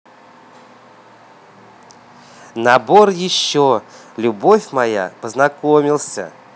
набор еще любовь моя познакомился